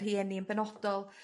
Rhieni'n benodol.